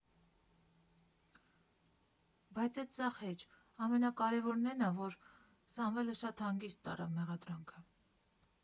Բայց էդ սաղ հեչ, ամենակարևորը էն ա, որ Սամվելը շատ հանգիստ տարավ մեղադրանքը։